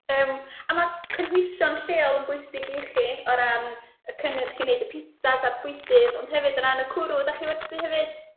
Yym a ma' cynhwysion lleol yn bwysig i chi, o ran y cynnyrch i wneud y pitsas a'r bwydydd. Ond hefyd o ran y cwrw dach chi'n werthu hefyd?